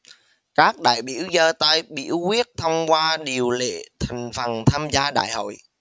các đại biểu giơ tay biểu quyết thông qua điều lệ thành phần tham gia đại hội